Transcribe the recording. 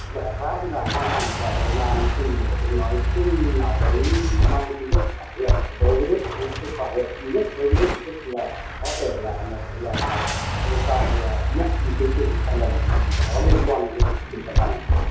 giải pháp giảm căng thẳng là việt nam tìm một cái tiếng nói chung nào đấy mang tính chất thỏa hiệp đối với đức cái thỏa hiệp duy nhất đối với đức là có thể là một cái lời công khai nhận cái sự sai lầm của mình có liên quan việc trịnh xuân thanh